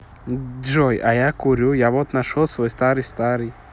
джой а я курю я вот нашел свой старый старый